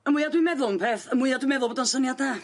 Y mwya dwi'n meddwl yn peth y mwya dwi'n meddwl bod o'n syniad da.